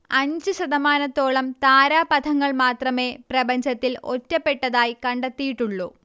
അഞ്ച് ശതമാനത്തോളം താരാപഥങ്ങൾ മാത്രമേ പ്രപഞ്ചത്തിൽ ഒറ്റപ്പെട്ടതായി കണ്ടെത്തിയിട്ടുള്ളൂ